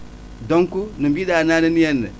donc